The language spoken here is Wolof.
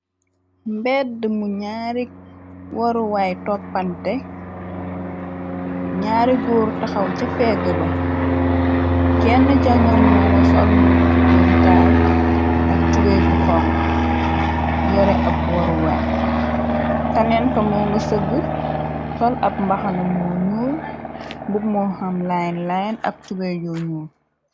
Mbedd mu ñaari waruwaay toppante ñaari góuru taxaw ca pegg ba kenn ca ñom mo nga sol mbuusu doom taar ak tube ju kong yore ab waruwaay kaneen ka mo nga sëgg sol ab mbaxana moo ñuul mbug mo ham lne line ak tube yu ñuu.